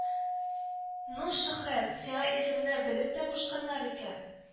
Ну, Шөһрәт, сиңа исемне белеп тә кушканнар икән